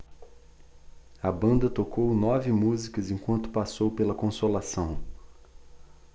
a banda tocou nove músicas enquanto passou pela consolação